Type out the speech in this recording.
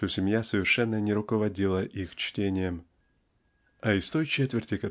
что семья совершенно не руководила их чтением. А из той четверти